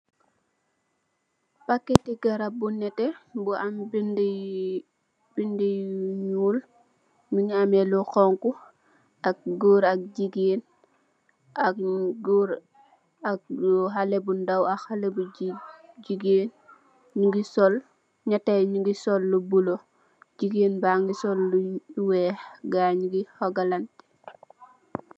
Packete garab bu nete bu am bede yu bede yu nuul muge ameh lu xonxo ak goor ak jegain ak goor ak haleh bu ndaw ak haleh bu jegain nuge sol nyatah ye nuge sol lu bolu jegain bage sol lu weex gaye nuge hugalanteh.